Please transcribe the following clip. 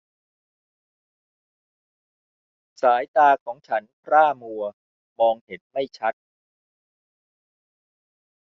สายตาของฉันพร่ามัวมองเห็นไม่ชัด